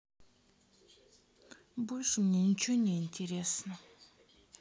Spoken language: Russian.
больше мне ничего не интересно